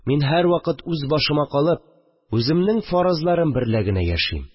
Мин, һәрвакыт үзбашыма калып, үземнең фарызларым берлә генә яшим